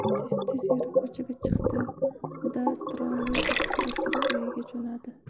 tez tez yurib ko'chaga chiqdi da trolleybusga o'tirib uyiga jo'nadi